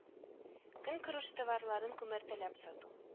Көнкүреш товарларын күмәртәләп сату